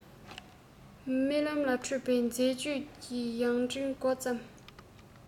རྨི ལམ ལ བྲོད པའི མཛེས དཔྱོད དེ ཡང བྲི འགོ བརྩམས